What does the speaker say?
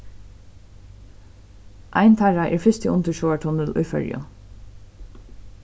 ein teirra er fyrsti undirsjóvartunnil í føroyum